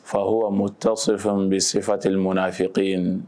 Fahuwa mutasifun bi sufatil munaafiqiina